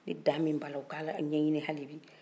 ni dan min b' a la u k' a ɲɛɲini halibi